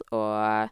Og...